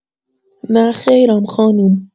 نخیرم خانوم